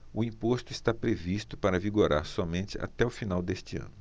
o imposto está previsto para vigorar somente até o final deste ano